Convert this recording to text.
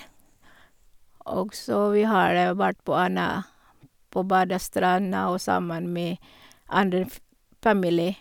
Og så vi har vært på en på badestranda og sammen med andre f familie.